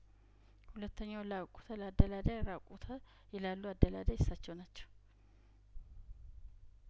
ሁለተኛው ላቁኦተ ለአደላዳይራቁኦተ ይላሉ አደላዳይ እሳቸው ናቸው